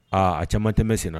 Aa a caman tɛmɛ sen na